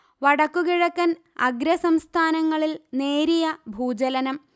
വടക്കു കിഴക്കൻഅഗ്ര സംസ്ഥാനങ്ങളിൽ നേരിയ ഭൂചലനം